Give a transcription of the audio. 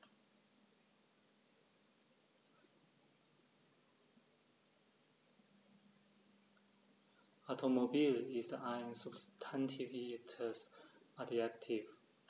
Automobil ist ein substantiviertes Adjektiv.